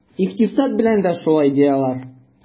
Икътисад белән дә шулай, ди алар.